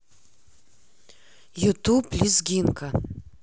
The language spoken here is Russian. ютуб лезгинка